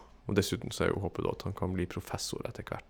Og dessuten så er jo håpet, da, at han kan bli professor etter hvert.